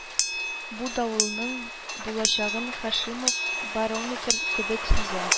Бу давылның булачагын Һашимов барометр кебек сизә